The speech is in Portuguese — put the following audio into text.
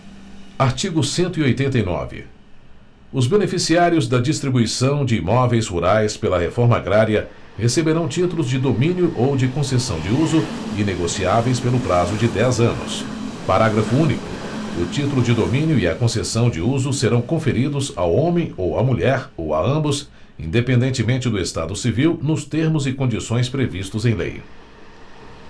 artigo cento e oitenta e nove os beneficiários da distribuição de imóveis rurais pela reforma agrária receberão títulos de domínio ou de concessão de uso inegociáveis pelo prazo de dez anos parágrafo único o título de domínio e a concessão de uso serão conferidos ao homem ou à mulher ou a ambos independentemente do estado civil nos termos e condições previstos em lei